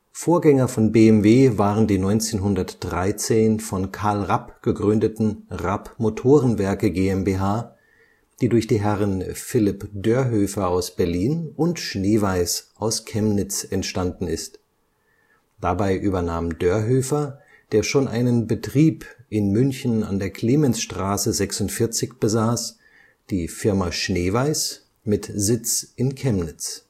Vorgänger von BMW waren die 1913 von Karl Rapp gegründeten Rapp Motorenwerke GmbH, die durch die Herren Philipp Dörhöfer aus Berlin und Schneeweis aus Chemnitz entstanden ist. Dabei übernahm Dörhöfer, der schon einen Betrieb in München an der Clemensstraße 46 besaß, die Firma Schneeweis mit Sitz in Chemnitz